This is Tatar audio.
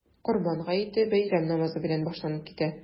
Корбан гаете бәйрәм намазы белән башланып китә.